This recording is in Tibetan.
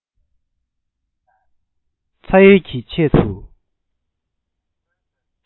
ཚ གཡོལ གྱི ཆེད དུ